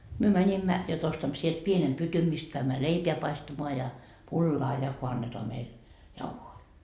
me menimme jotta ostamme sieltä pienen pytyn mistä käymme leipää paistamaan ja pullaa ja kun annetaan meille jauhoja